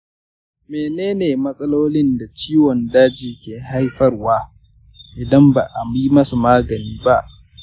mene ne matsalolin da ciwon daji ke haifarwa idan ba a yi masa magani ba?